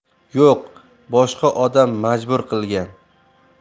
yo'q boshqa odam majbur qilgan